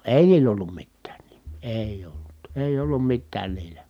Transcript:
ei niillä ollut mitään nimiä ei ollut ei ollut mitään niillä